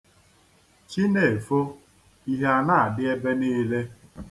Chi na-efo, ìhè a na-adị ebe niile.